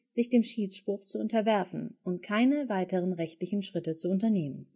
sich dem Schiedsspruch zu unterwerfen und keine weiteren rechtlichen Schritte zu unternehmen